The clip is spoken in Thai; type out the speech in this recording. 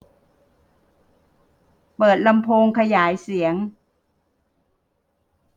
เปิดลำโพงขยายเสียง